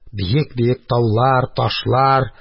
Биек-биек таулар-ташлар.